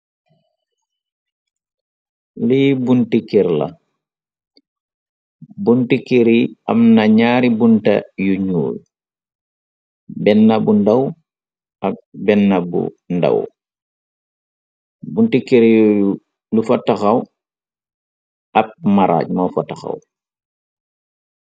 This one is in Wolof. Lii bunti kerr la, bunti kerr yi am na ñaari bunta yu ñuul. Benna bu ndaw ak benna bu ndaw bunti kerr yi lu fa taxaw ab maraal moo fa taxaw.